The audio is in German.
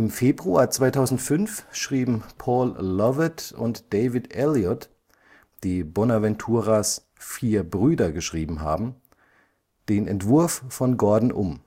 Februar 2005 schrieben Paul Lovett und David Elliott, die Bonaventuras Vier Brüder geschrieben haben, den Entwurf von Gordon um